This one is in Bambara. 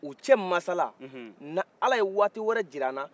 u cɛ masala n'i ala ye waati wɛrɛ jir'a na